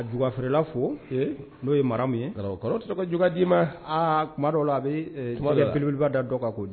Dugwafela fo n'o ye mara min ye kɔrɔ tɔgɔ dug d'i ma aa tuma a bɛ pelebba da dɔ kan k'o di